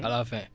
à la fin